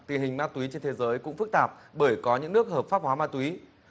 tình hình ma túy trên thế giới cũng phức tạp bởi có những nước hợp pháp hóa ma túy